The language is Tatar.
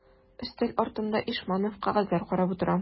Өстәл артында Ишманов кәгазьләр карап утыра.